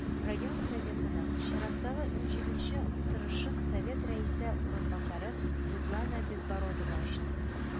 Район Советының чираттагы унҗиденче утырышын Совет рәисе урынбасары Светлана Безбородова ачты